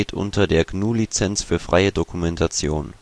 unter der GNU Lizenz für freie Dokumentation